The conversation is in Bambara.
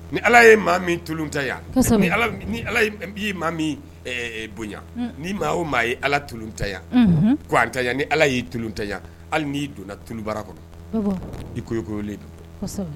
Ni ala ye maa min tu ta yan ni ni' maa min bonyayan ni maa o maa ye ala tu ta yan koan ta yan ni ala y'i tu ta yan hali n'i donna tulubara kɔnɔ i kokolen don